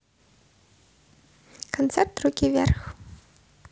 концерт руки вверх